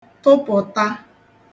tụpụ̀ta